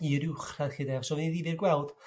i'r uwchradd 'lly 'de. A 'so ddi'n ddifyr gweld...